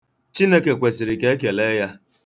Chineke kwesịrị ka e kelee ya.